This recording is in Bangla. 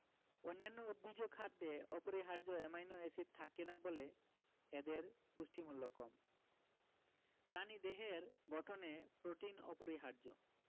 অন্যান্য উদ্ভিজ্জ খাদ্যে অপরিহার্য অ্যামাইনো এসিড থাকে না বলে এদের পুষ্টিমূল্য কম প্রাণীদেহের গঠনে প্রোটিন অপরিহার্য